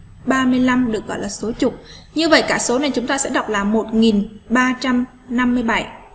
được gọi là số trục như vậy cả số này chúng ta sẽ đọc là